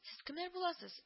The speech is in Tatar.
Сез кемнәр буласыз